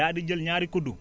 daa di jël ñaari kudd